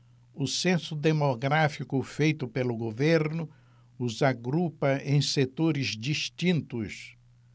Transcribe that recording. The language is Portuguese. o censo demográfico feito pelo governo os agrupa em setores distintos